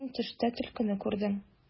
Син төштә төлкене күрдең.